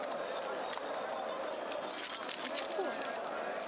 сучков